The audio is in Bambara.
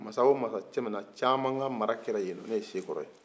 masa wo masa tɛmɛna caaman ka marakɛra ye n'o ye seekɔrɔ ye fɔ ka na a laban da ninuw la